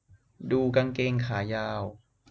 ดูกางเกงขายาว